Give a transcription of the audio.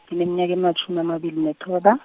ngineminyaka ematjhumi amabili nethoba.